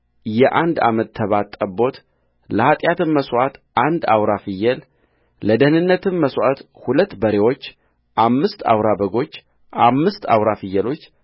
የአንድ ዓመት ተባት ጠቦትለኃጢአትም መሥዋዕት አንድ አውራ ፍየልለደኅንነትም መሥዋዕት ሁለት በሬዎች አምስት አውራ በጎች አምስት አውራ ፍየሎች